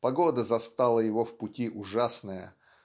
погода застигла его в пути ужасная